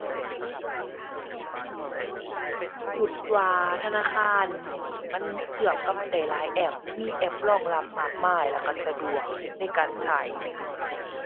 คิดว่าธนาคารนี้มันเชื่อมกับได้หลายแอป มีแอปรองรับมากมาย แล้วเชื่อมสะดวกในการใช้